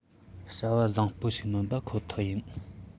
བྱ བ བཟང པོ ཞིག མིན པ ཁོ ཐག ཡིན